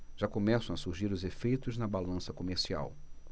já começam a surgir os efeitos na balança comercial